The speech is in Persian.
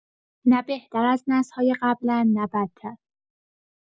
نه بهتر از نسل‌های قبلن، نه بدتر؛